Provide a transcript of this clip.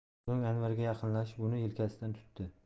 so'ng anvarga yaqinlashib uni yelkasidan tutdi